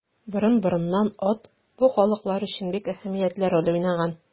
Борын-борыннан ат бу халыклар өчен бик әһәмиятле роль уйнаган.